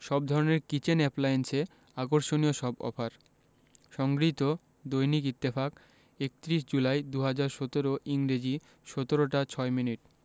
সব ধরনের কিচেন অ্যাপ্লায়েন্সে আকর্ষণীয় সব অফার সংগৃহীত দৈনিক ইত্তেফাক ৩১ জুলাই ২০১৭ ইংরেজি ১৭ টা ৬ মিনিট